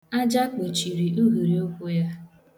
Aja kpochiri uhiri ụkwụ ya.